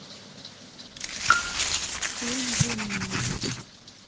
фильм гемини